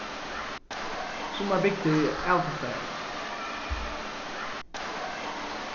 summar bygdir eru avtoftaðar